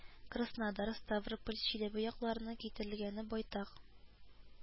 Краснодар, Ставрополь, Чиләбе якларыннан китерелгәне байтак